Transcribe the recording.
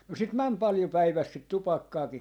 no siltä meni paljon päivässä sitä tupakkaakin